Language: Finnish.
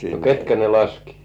no ketkä ne laskivat